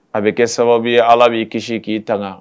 A bɛ kɛ sababu ala b'i kisi k'i tanga